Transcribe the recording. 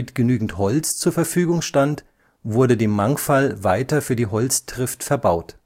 genügend Holz zur Verfügung stand wurde die Mangfall weiter für die Holztrift verbaut